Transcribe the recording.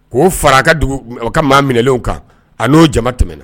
K'o fara ka ka maa minɛ kan a n'o jama tɛmɛna